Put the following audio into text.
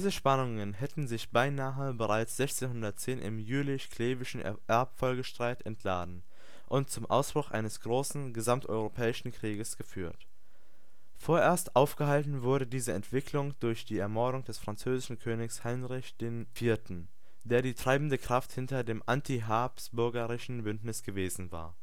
Spannungen hätten sich beinahe bereits 1610 im Jülich-Klevischen Erbfolgestreit entladen und zum Ausbruch eines großen, gesamteuropäischen Krieges geführt. Vorerst aufgehalten wurde diese Entwicklung durch die Ermordung des französischen Königs Heinrich IV., der die treibende Kraft hinter dem anti-habsburgischen Bündnis gewesen war